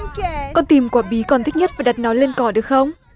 con tìm quả bí con thích nhất và đặt nó lên cỏ được không